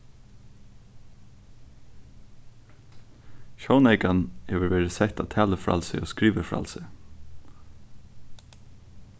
sjóneykan hevur verið sett á talufrælsi og skrivifrælsi